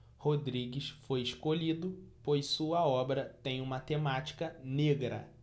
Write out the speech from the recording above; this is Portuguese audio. rodrigues foi escolhido pois sua obra tem uma temática negra